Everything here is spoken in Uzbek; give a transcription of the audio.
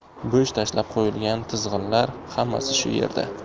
bo'sh tashlab qo'yilgan tizginlar xammasi shu yerda